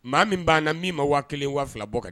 Maa min banna min ma waa kelen waa fila bɔ kɛ